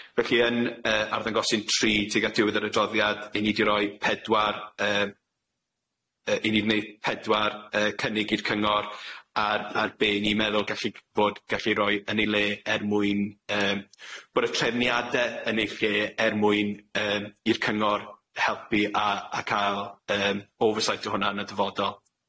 Felly yn yy arddangosyn tri, tuag at diwedd yr adroddiad 'yn ni di roi pedwar yy yy i ni neud pedwar yy cynnig i'r cyngor ar ar be ni'n meddwl gallu bod gallu roi yn ei le er mwyn yym bod y trefniade yn eu lle er mwyn yym i'r cyngor helpu a a ca'l yym oversight o hwnna yn y dyfodol.